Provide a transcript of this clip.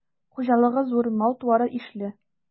Хуҗалыгы зур, мал-туары ишле.